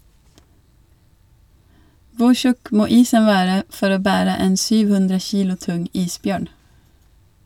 Hvor tjukk må isen være for å bære en 700 kilo tung isbjørn?